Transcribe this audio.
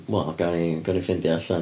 Wel gawn ni gawn ni ffeindio allan.